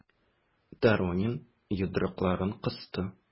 Доронин йодрыкларын кысты.